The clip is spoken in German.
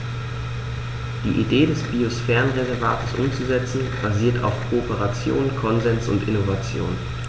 Die Idee des Biosphärenreservates umzusetzen, basiert auf Kooperation, Konsens und Innovation.